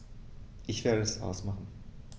Ich werde es ausmachen